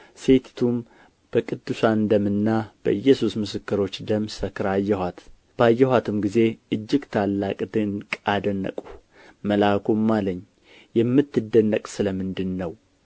ሴቲቱም በቅዱሳን ደምና በኢየሱስ ምስክሮች ደም ሰክራ አየኋት ባየኋትም ጊዜ እጅግ ታላቅ ድንቅ አደነቅሁ መልአኩም አለኝ የምትደነቅ ስለ ምንድር ነው